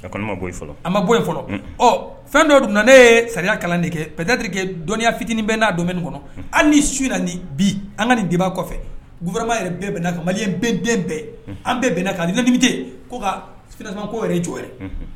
A bɔ fɔlɔ an ma bɔ fɔlɔ fɛn dɔ dun na ne ye saya kalan de kɛ pdri kɛ dɔnniya fitinin bɛ n'a donni kɔnɔ an ni su na ni bi an ka nin deba kɔfɛ gurama yɛrɛ bɛn bɛnna kan mali ye bɛn bɛn bɛn an bɛɛ bɛnna kan ladibite koina k' yɛrɛ cogo